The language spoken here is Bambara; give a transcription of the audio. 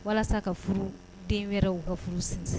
Walasa ka furu den wɛrɛ u ka furu sinsin